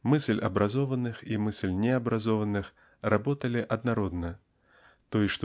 мысль образованных и мысль необразованных работали однородно т. е.